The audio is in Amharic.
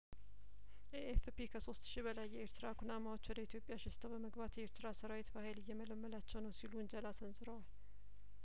ኤኤፍፒ ከሶስት ሺ በላይ የኤርትራ ኩናማዎች ወደ ኢትዮጵያ ሸሽተው በመግባት የኤርትራ ሰራዊት በሀይል እየመለመላቸው ነው ሲሉ ውንጀላ ሰንዝረዋል